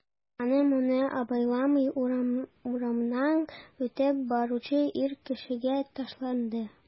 Аны-моны абайламый урамнан үтеп баручы ир кешегә ташланды...